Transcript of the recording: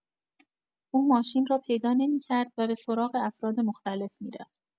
او ماشین را پیدا نمی‌کرد و به سراغ افراد مختلف می‌رفت.